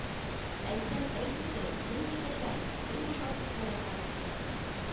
— әйтсәң әйт инде, нинди бәйрәм, нинди шатлык белән кайттың